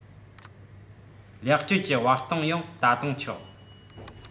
ལེགས བཅོས ཀྱི བར སྟོང ཡང ད དུང ཆོག